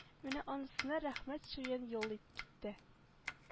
Менә анысына рәхмәт чуен юлы китте